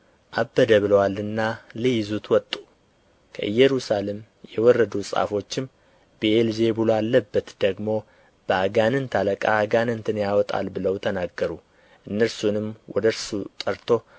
አበደ ብለዋልና ሊይዙት ወጡ ከኢየሩሳሌም የወረዱ ጻፎችም ብዔል ዜቡል አለበት ደግሞ በአጋንንት አለቃ አጋንንትን ያወጣል ብለው ተናገሩ እነርሱንም ወደ እርሱ ጠርቶ